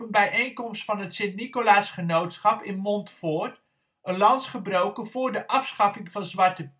bijeenkomst van het Sint Nicolaas Genootschap in Montfoort een lans gebroken voor de afschaffing van Zwarte